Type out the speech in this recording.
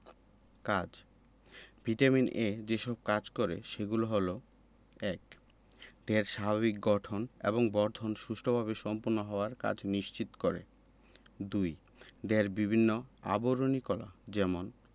কাজ vitamin A যেসব কাজ করে সেগুলো হলো ১. দেহের স্বাভাবিক গঠন এবং বর্ধন সুষ্ঠুভাবে সম্পন্ন হওয়ার কাজ নিশ্চিত করে ২. দেহের বিভিন্ন আবরণী কলা যেমন